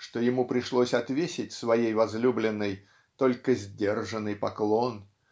что ему пришлось отвесить своей возлюбленной только "сдержанный поклон"